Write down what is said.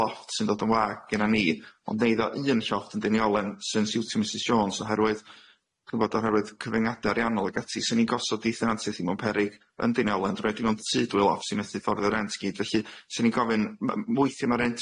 lofft sy'n dod yn wag genna ni ond neiddo un llofft yn Deiniolen sy'n siwtio Mrs Jones oherwydd cyfweld oherwydd cyfyngade ariannol ag ati swn i'n gosod i thenantieth i mewn peryg yndyn yw e ond reid i mewn tŷ dwyloff sy'n methu ffordd y rent gyd felly swn i'n gofyn m- mwythia ma'r rent